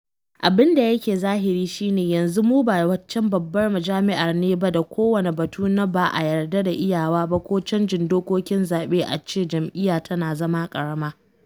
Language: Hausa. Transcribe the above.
Abin da yake zahiri shi ne yanzu mu ba wancan babbar majami’ar ne ba da kowane batu na “ba a yarda da iyawa ba” ko canjin dokokin zaɓe a ce jam’iyya tana zama karama.